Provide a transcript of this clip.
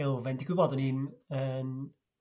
elfen... Dwi gwybod yn 'un yn